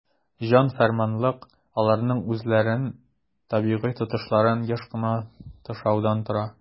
"җан-фәрманлык" аларның үзләрен табигый тотышларын еш кына тышаулап тора.